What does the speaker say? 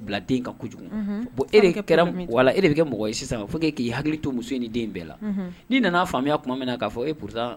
Kojugu bon e wala e de kɛ mɔgɔ sisan k'i hakili to muso ni den bɛɛ la'i nana faamuyaya tuma min na k'a fɔ e p